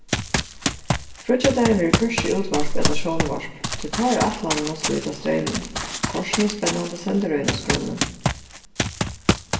fríggjadagin verður hvørki útvarp ella sjónvarp tí tá er ætlanin at slíta streymin kortini er spennandi sendirøðin á skránni